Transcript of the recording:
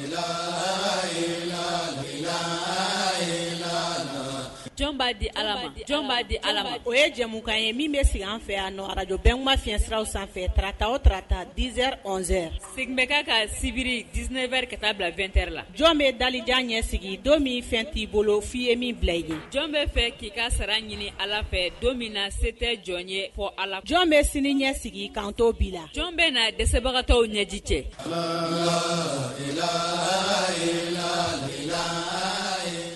'a di'a di ala o ye jamumukan ye min bɛ sigi an fɛ yanjɔ bɛɛ ma fiɲɛyɛnsiraw sanfɛ tata o tata diz z segin bɛ ka ka sibiri diinɛ wɛrɛ ka taa bila2ɛ la jɔn bɛ dajan ɲɛ sigi don min fɛn t' ii bolo f'i ye min bila i jɔn bɛ fɛ k' ii ka sara ɲini ala fɛ don min na se tɛ jɔn ye fɔ ala jɔn bɛ sini ɲɛ sigi kan tɔw bila la jɔn bɛ na dɛsɛbagatɔw ɲɛji cɛ